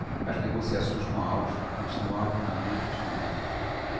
as negociações com a áustria continuavam na noite de ontem